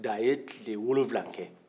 da ye tile wolonfila kɛ